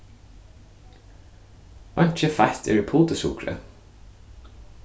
einki feitt er í putursukri